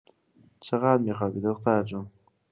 چقدر می‌خوابی دختر جون؟